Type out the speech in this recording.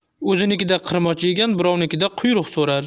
o'zinikida qirmoch yegan birovnikida quyruq so'rar